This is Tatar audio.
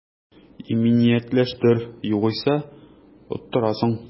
Иминиятләштер, югыйсә оттырасың